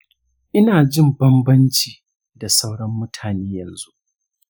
ina jin bambanci da sauran mutane yanzu.